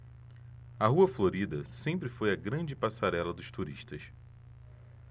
a rua florida sempre foi a grande passarela dos turistas